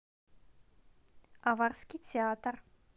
аварский театр